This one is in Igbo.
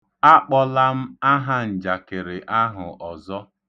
Akpọla m ahanjakịrị ahụ ọzọ.